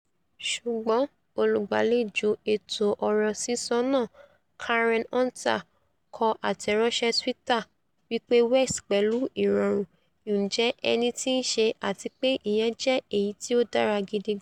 Ṣùgbọ́n olùgbàlejò ètò ọ̀rọ̀ sísọ nàà Karen Hunter kọ àtẹ̀ránṣẹ́ tweeter wí pé West pẹ̀lú ìrọ̀rùn ''njẹ́ ẹnití i ṣe àtipé ìyẹn jẹ́ èyití ó dára gídígáà́n.''